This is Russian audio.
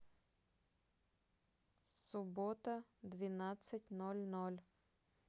суббота двенадцать ноль ноль